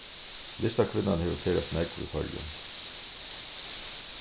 listakvinnan hevur ferðast nógv í føroyum